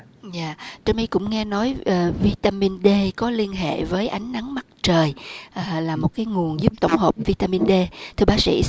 dạ trâm mi cũng nghe nói vi ta min đê có liên hệ với ánh nắng mặt trời là một cái nguồn giúp tổng hợp vi ta min đê xin bác sĩ